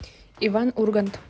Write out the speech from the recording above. иван ургант